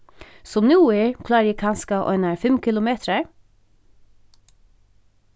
sum nú er klári eg kanska einar fimm kilometrar